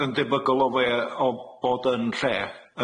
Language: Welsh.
Ag yn debygol o fe yy o bod yn lle?